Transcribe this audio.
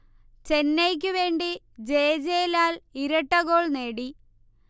ചെന്നൈയ്ക്കു വേണ്ടി J. J. Lal ഇരട്ടഗോൾ നേടി